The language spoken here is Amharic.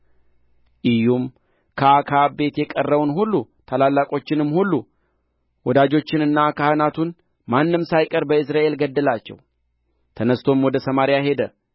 ኢዩም ከአክዓብ ቤት የቀረውን ሁሉ ታላላቆቹንም ሁሉ ወዳጆቹንና ካህናቱን ማንም ሳይቀር በኢይዝራኤል ገደላቸው ተነሥቶም ወደ ሰማርያ ሄደ